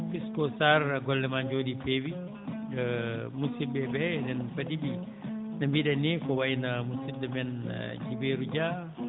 Pisco Sarr golle maa njooɗii peewii musidɓe ɓee enen padi ɓe no mbiɗen nii ko wayi no musidɗo men Djiby Yero Dia